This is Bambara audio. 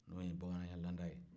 n'o ye bamananya laada ye